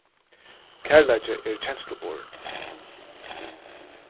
kærleiki er kensluborin